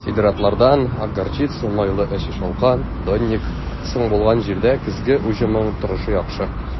Сидератлардан (ак горчица, майлы әче шалкан, донник) соң булган җирдә көзге уҗымның торышы яхшы.